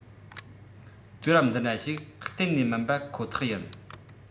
དུས རབས འདི འདྲ ཞིག གཏན ནས མིན པ ཁོ ཐག ཡིན